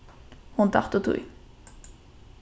hon datt útí